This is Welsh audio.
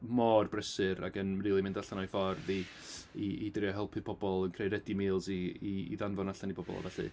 Mor brysur ac yn rili mynd allan o'u ffordd i i i drio helpu pobl, yn creu ready meals i i i ddanfod allan i pobl felly.